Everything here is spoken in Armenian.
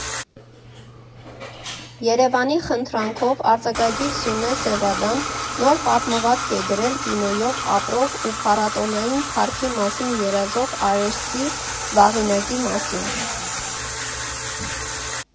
ԵՐԵՎԱՆի խնդրանքով արձակագիր Սյունե Սևադան նոր պատմվածք է գրել կինոյով ապրող ու փառատոնային փառքի մասին երազող արեշցի Վաղինակի մասին։